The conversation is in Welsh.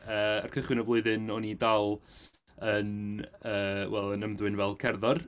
Yy y cychwyn y flwyddyn o'n i dal yn yy wel yn ymddwyn fel cerddor.